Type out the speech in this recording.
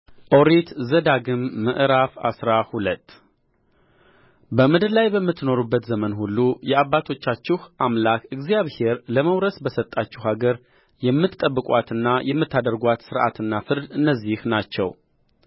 ኦሪት ዘዳግም ምዕራፍ አስራ ሁለት በምድር ላይ በምትኖሩበት ዘመን ሁሉ የአባቶቻችሁ አምላክ እግዚአብሔር ለመውረስ በሰጣችሁ አገር የምትጠብቁአትና የምታደርጉአት ሥርዓትና ፍርድ እነዚህ ናቸው